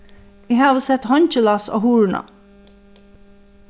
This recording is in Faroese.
eg havi sett heingilás á hurðina